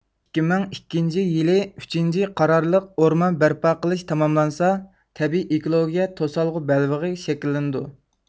ئىككى مىڭ ئىككىنجى يىلى ئۈچىنچى قارارلىق ئورمان بەرپا قىلىش تاماملانسا تەبىئىي ئېكولوگىيە توسالغۇ بەلۋېغى شەكىللىنىدۇ